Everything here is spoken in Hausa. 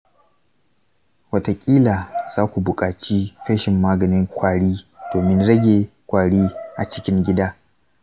wataƙila za ku buƙaci feshin maganin kwari domin rage kwari a cikin gida.